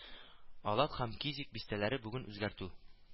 Алат һәм Кизик бистәләре бүген үзгәртү